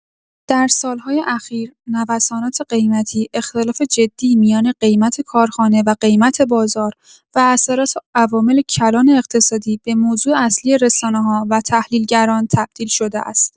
در سال‌های اخیر، نوسانات قیمتی، اختلاف جدی میان قیمت کارخانه و قیمت بازار، و اثرات عوامل کلان اقتصادی به موضوع اصلی رسانه‌ها و تحلیل‌گران تبدیل شده است.